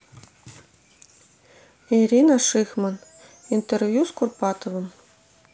ирина шихман интервью с курпатовым